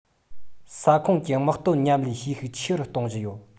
ས ཁོངས ཀྱི དམག དོན མཉམ ལས བྱེད ཤུགས ཆེ རུ གཏོང བཞིན ཡོད